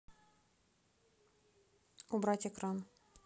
убрать экран